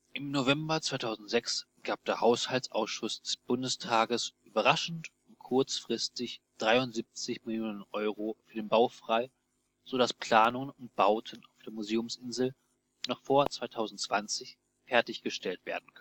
Im November 2006 gab der Haushaltsausschuss des Bundestages überraschend und kurzfristig 73 Millionen Euro für den Bau frei, sodass Planungen und Bauten auf der Museumsinsel noch vor 2020 fertiggestellt werden